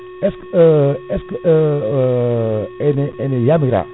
est ce que est ce que ene ene yamira